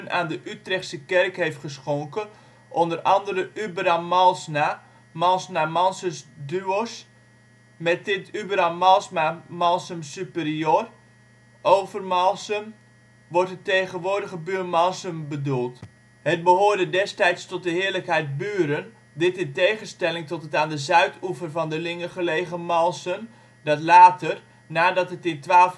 aan de Utrechtse kerk heeft geschonken o.a. Uberan Malsna, Malsna mansus duos. Met dit Uberan Malsna, Malsen superior (1347), Overmalsen (1400) wordt het tegenwoordige Buurmalsen bedoeld. Het behoorde destijds tot de Heerlijkheid Buren, dit in tegenstelling tot het aan de zuid-oever van de Linge gelegen Malsen dat later, nadat het in 1253 aan